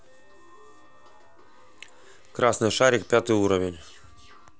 красный шарик пятый уровень